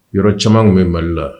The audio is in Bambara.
Yɔrɔ caman tun bɛ mali la